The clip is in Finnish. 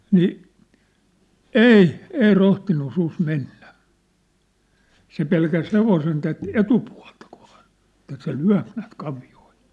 niin ei ei rohtinut susi mennä se pelkäsi hevosen tätä etupuolta kovaa että se lyö näet kavioilla